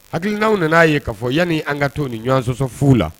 Hakilil n'aw nana n'a ye ka fɔ yanani an ka to ni ɲɔgɔn sɔsɔ fu la